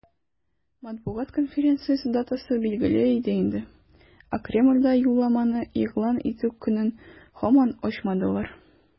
Матбугат конференциясе датасы билгеле иде инде, ә Кремльдә юлламаны игълан итү көнен һаман ачмадылар.